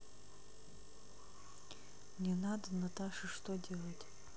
не надо наташе что делать